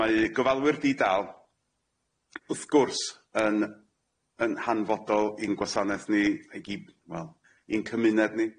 Mae gyfalwyr di dal wrth gwrs yn yn hanfodol i'n gwasanaeth ni i g- wel i'n cymuned ni.